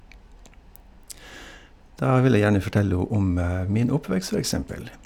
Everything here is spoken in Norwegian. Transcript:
Da vil jeg gjerne fortelle om min oppvekst, for eksempel.